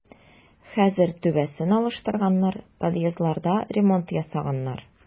Хәзер түбәсен алыштырганнар, подъездларда ремонт ясаганнар.